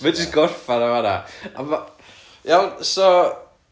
mae jyst yn gorffen o fana a ma'... iawn so...